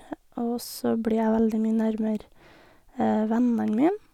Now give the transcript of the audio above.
Og så blir jeg veldig mye nærmere vennene min.